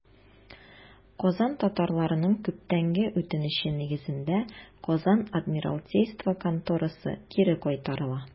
Казан татарларының күптәнге үтенече нигезендә, Казан адмиралтейство конторасы кире кайтарыла.